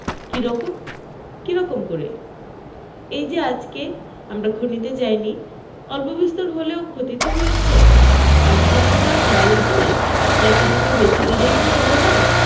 কিরকম কিরকম করে এই যে আজকে আমরা খনিতে যাইনি অল্পবিস্তর হলেও ক্ষতি তো হয়েছে আর সোনা তো আর কয়লা নয় যাকে তাকে বেচে দিলেই তো হল না